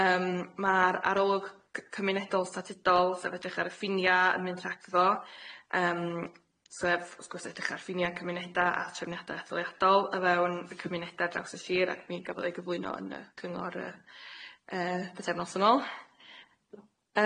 Yym ma'r arolwg c- cymunedol statudol sef edrych ar y ffinia yn mynd rhagddo yym sef wrth gwrs edrych ar ffinia cymuneda a trefniada etholiadol o fewn y cymuneda draws y Sir ac mi gafodd ei gyflwyno yn y cyngor yy yy bytefnos yn ôl.